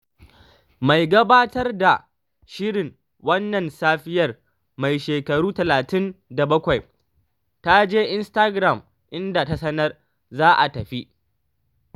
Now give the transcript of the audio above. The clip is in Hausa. Mai gabatar da shirin Wannan Safiyar, mai shekaru 37, ta je Instagram inda ta sanar za ta tafi.